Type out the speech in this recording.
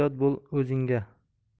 ehtiyot bo'l o'zingga